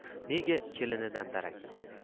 nega kelinidan darak yo'q